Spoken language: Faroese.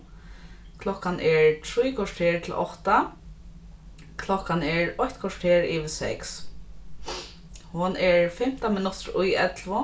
klokkan er trý korter til átta klokkan er eitt korter yvir seks hon er fimtan minuttir í ellivu